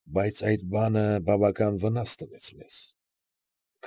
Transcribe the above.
Բայց այդ բանը բավական վնաս տվեց մեզ։